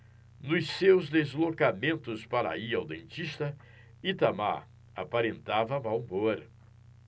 nos seus deslocamentos para ir ao dentista itamar aparentava mau humor